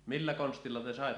millä konstilla te saitte